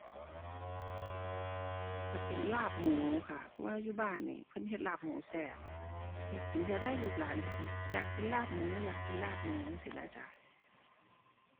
ก็เป็นลาบหมูค่ะ เพราะว่าอยู่บ้านนี่ เพิ่นเฮ็ดลาบหมูแซ่บ เฮ็ดกินเทื่อใดลูกหลานก็สิอยากกินลาบหมู อยากกินลาบหมู จั่งซี้น่ะจ้ะ